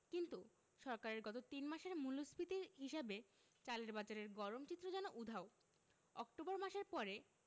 কিন্তু সরকারের গত তিন মাসের মূল্যস্ফীতির হিসাবে চালের বাজারের গরম চিত্র যেন উধাও অক্টোবর মাসের পরে